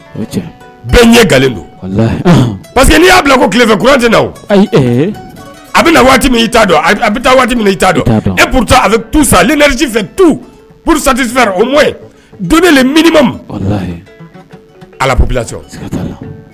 Ɲɛ don parce que n'i y'a bila ko ki tilefɛtɛ na a bɛ na waati min bɛ taa waati min ta e p a bɛ tu satifɛ tu pti o don minibamu alap